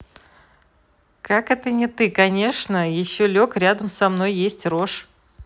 как это не ты конечно еще лег рядом со мной есть рожь